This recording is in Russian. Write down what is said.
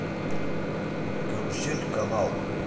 карусель канал